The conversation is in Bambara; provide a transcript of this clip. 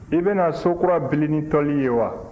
i bɛna so kura bili ni toli ye wa